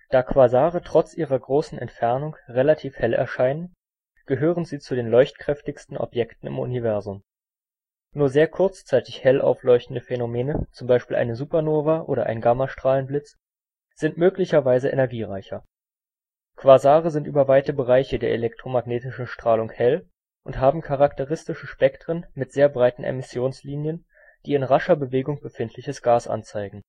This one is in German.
Da Quasare trotz ihrer großen Entfernung relativ hell erscheinen, gehören sie zu den leuchtkräftigsten Objekten im Universum. Nur sehr kurzzeitig hell aufleuchtende Phänomene (Supernova, Gammastrahlenblitz) sind möglicherweise energiereicher. Quasare sind über weite Bereiche der elektromagnetischen Strahlung hell und haben charakteristische Spektren mit sehr breiten Emissionslinien, die in rascher Bewegung befindliches Gas anzeigen